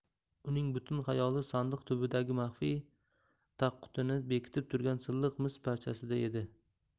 uning butun xayoli sandiq tubidagi maxfiy tagqutini bekitib turgan silliq mis parchasida edi